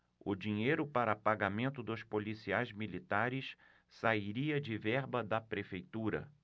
o dinheiro para pagamento dos policiais militares sairia de verba da prefeitura